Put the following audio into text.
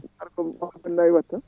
aɗa andi kam *